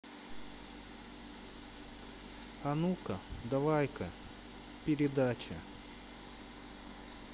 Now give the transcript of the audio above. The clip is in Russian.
а ну ка давай ка передача